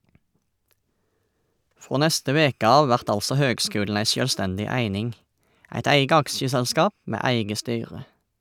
Frå neste veke av vert altså høgskulen ei sjølvstendig eining , eit eige aksjeselskap med eige styre.